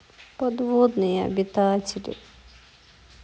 подводные обитатели